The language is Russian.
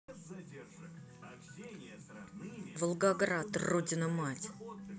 волгоград родина мать